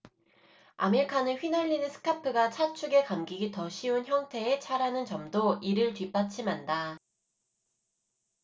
아밀카는 휘날리는 스카프가 차축에 감기기 더 쉬운 형태의 차라는 점도 이를 뒷받침한다